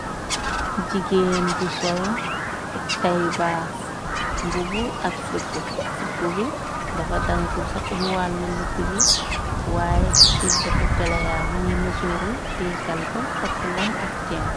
Jigeen bu sol tey baas mbubu ak sipu bi dafa daŋ saxuy wàll lëbb gi. Waaye ci suuf dafa feleya me ngi mësooru tee kalbe takk lam ak ceen.